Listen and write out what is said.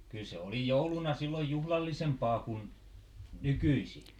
kyllä se oli jouluna silloin juhlallisempaa kuin nykyisin